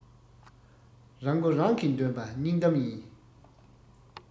རང མགོ རང གིས འདོན པ སྙིང གཏམ ཡིན